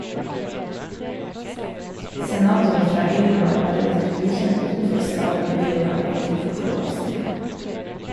Senatoren fra Illinois var relativt ukjent utenfor staten Illinois inntil for to år siden.